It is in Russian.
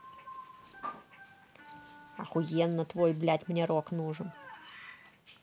охуенно твой блядь мне рок нужен